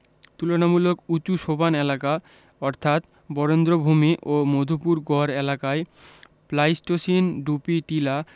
তুলনামূলক উঁচু সোপান এলাকা অর্থাৎ বরেন্দ্রভূমি ও মধুপুরগড় এলাকায় প্লাইসটোসিন ডুপি টিলা